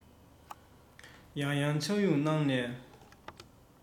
ཡང ཡང ཕྱག གཡུགས གནང ནས